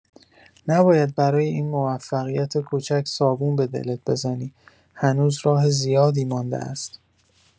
نباید برای این موفقیت کوچک صابون به دلت بزنی، هنوز راه زیادی مانده است.